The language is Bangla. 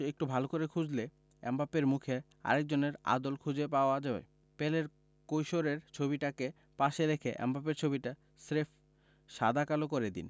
একটু ভালো করে খুঁজলে এমবাপ্পের মুখে আরেকজনের আদল খুঁজে পাওয়া যায় পেলের কৈশোরের ছবিটাকে পাশে রেখে এমবাপ্পের ছবিটা স্রেফ সাদা কালো করে দিন